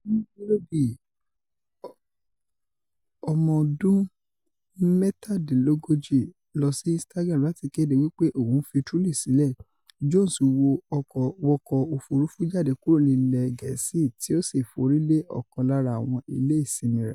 Bí Willoughby, 37, lọsí Instagram láti kéde wípé òun ńfi Truly sílẹ̀, Jones wọ ọkọ òfurufú jáde kúrò ní ilẹ̀ gẹ̀ẹ́sì ti ósì forílẹ ọ̀kan lára àwọn ilé ìsinmi rẹ̀